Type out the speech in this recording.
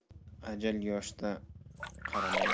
ajal yoshga qaramaydi